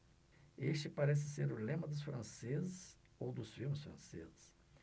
este parece ser o lema dos franceses ou dos filmes franceses